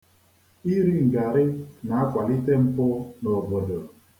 Iri ngarị na-akwalite mpụ n'obodo.